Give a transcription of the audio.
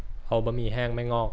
เอาบะหมี่แห้งไม่งอก